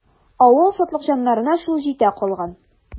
Авыл сатлыкҗаннарына шул җитә калган.